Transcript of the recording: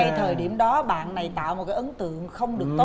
ngay thời điểm đó bạn này tạo một cái ấn tượng không được tốt